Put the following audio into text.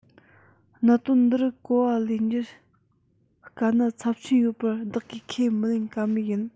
གནད དོན འདིར གོ བ ལེན རྒྱུ ལ དཀའ གནད ཚབས ཆེན ཡོད པར བདག གིས ཁས མི ལེན ག མེད ཡིན